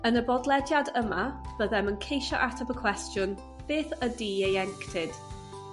Yn y bodlediad yma byddem yn ceisio ateb y cwestiwn beth ydy ieuenctid?